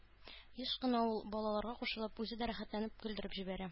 Еш кына ул, балаларга кушылып, үзе дә рәхәтләнеп көлеп җибәрә.